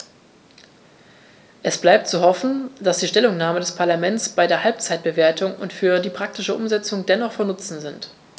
Es bleibt zu hoffen, dass die Stellungnahmen des Parlaments bei der Halbzeitbewertung und für die praktische Umsetzung dennoch von Nutzen sind.